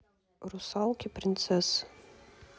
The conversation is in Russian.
русалки принцессы